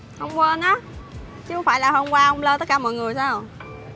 ông quên á chứ phải là hôm qua ông lơ tất cả mọi người sao